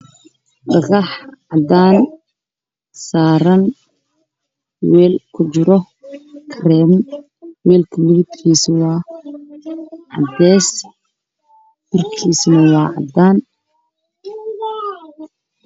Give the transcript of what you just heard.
Meesha waxaa yaalo karaan dhaxaysanayo oo qiimihii siyaasadeed toban doolar midabkiisuna yahay caano iyo fiinto